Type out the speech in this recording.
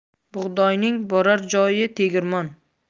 bug'doyning borar joyi tegirmon